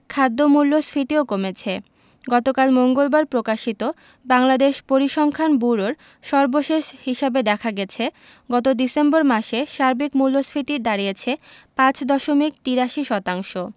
খাদ্য মূল্যস্ফীতিও কমেছে গতকাল মঙ্গলবার প্রকাশিত বাংলাদেশ পরিসংখ্যান ব্যুরোর সর্বশেষ হিসাবে দেখা গেছে গত ডিসেম্বর মাসে সার্বিক মূল্যস্ফীতি দাঁড়িয়েছে ৫ দশমিক ৮৩ শতাংশ